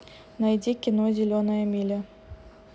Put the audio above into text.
найди кино зеленая миля